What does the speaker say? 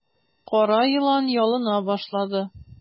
Кара елан ялына башлады.